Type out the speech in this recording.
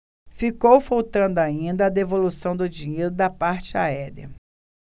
ficou faltando ainda a devolução do dinheiro da parte aérea